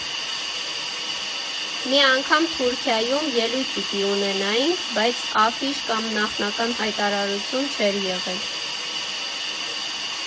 Մի անգամ Թուրքիայում ելույթ պիտի ունենայինք, բայց աֆիշ կամ նախնական հայտարարություն չէր եղել։